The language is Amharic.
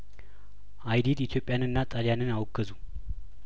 አይዲድ ኢትዮጵያንና ጣሊያንን አወገዙ